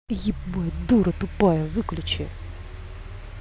ебать дура тупая выключи